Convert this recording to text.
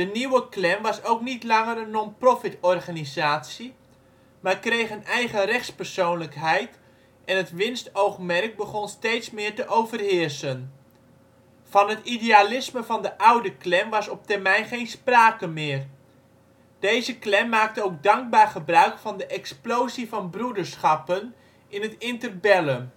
nieuwe Klan was ook niet langer een non-profit-organisatie maar kreeg een eigen rechtspersoonlijkheid en het winstoogmerk begon steeds meer te overheersen. Van het idealisme van de oude Klan was op termijn geen sprake meer. Deze Klan maakte ook dankbaar gebruik van de explosie van broederschappen in het Interbellum